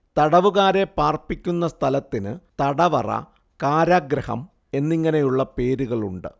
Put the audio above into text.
തടവുകാരെ പാർപ്പിക്കുന്ന സ്ഥലത്തിന് തടവറ കാരാഗൃഹം എന്നിങ്ങനെയുള്ള പേരുകളുണ്ട്